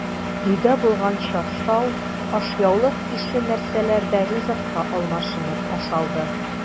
Өйдә булган чаршау, ашъяулык ише нәрсәләр дә ризыкка алмашынып ашалды.